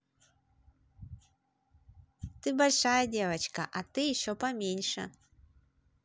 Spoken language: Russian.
ты большая девочка а ты еще поменьше